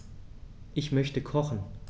Ich möchte kochen.